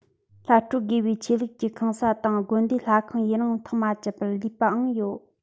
སླར སྤྲོད དགོས པའི ཆོས ལུགས ཀྱི ཁང ས དང དགོན སྡེ ལྷ ཁང ཡུན རིང ཐག མ བཅད པར ལུས པའང ཡོད